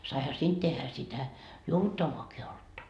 saihan siitä tehdä sitä juovuttavaakin olutta